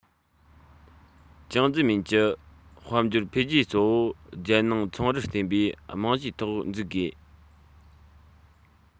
ཅང ཙེ རྨིན གྱི དཔལ འབྱོར འཕེལ རྒྱས གཙོ བོ རྒྱལ ནང ཚོང རར བརྟེན པའི རྨང གཞིའི ཐོག འཛུགས དགོས